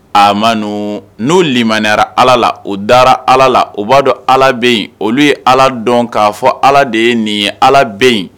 A ma n'olimyara ala la o dara ala la o b'a dɔn ala bɛ yen olu ye ala dɔn k'a fɔ ala de ye nin ye ala bɛ